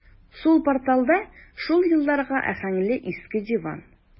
Сул порталда шул елларга аһәңле иске диван.